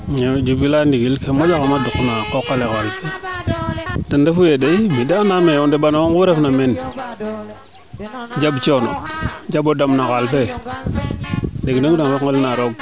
iyo Djiby leya ndigil mayu ke taxna de ndet ma qooqale xaal ten refu ye de mi de andaame o neɓango lu refna meen jamb coono jambo dam no xaal fe ngel na roog